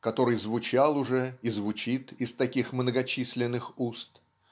который звучал уже и звучит из таких многочисленных уст